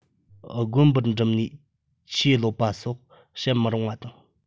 དགོན པར འགྲིམ ནས ཆོས སློབ པ སོགས བྱེད མི རུང བ དང